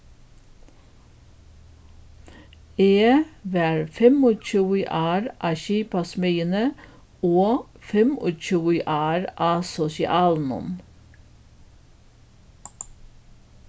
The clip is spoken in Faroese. eg var fimmogtjúgu ár á skipasmiðjuni og fimmogtjúgu ár á sosialinum